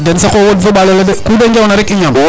a den saqu o wod fo o ɓalo le de ku de njaw na rek i ñam